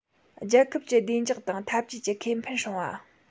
རྒྱལ ཁབ ཀྱི བདེ འཇགས དང འཐབ ཇུས ཀྱི ཁེ ཕན སྲུང བ